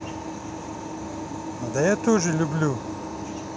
да я тоже люблю